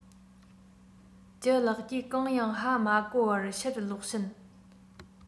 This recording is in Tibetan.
ལྗད ལགས ཀྱིས གང ཡང ཧ མ གོ བར ཕྱིར ལོག ཕྱིན